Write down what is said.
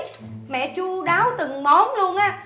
mẹ chu đáo từng món luôn á